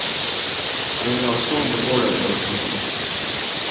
eg vil hava somu orðabók sum hon